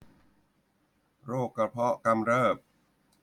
โรคกระเพาะกำเริบ